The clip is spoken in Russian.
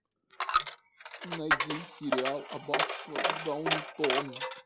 найди сериал аббатство даунтон